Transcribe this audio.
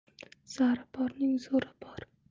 zari borning zo'ri bor